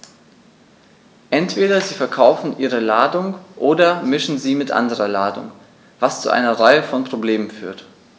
Entweder sie verkaufen ihre Ladung oder mischen sie mit anderer Ladung, was zu einer Reihe von Problemen führt.